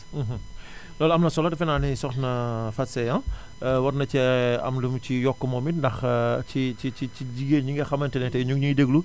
loolu am na solo defenaa ni soxna Fatou Seye ah war na cee am lu mu ci yokk moom it ndax ci ci ci ci jigéen ñi nga xamante ne tey ñu ngi ñuy déglu